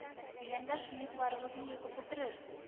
Өйләнгәч, мыекларыгызны йолкып бетерер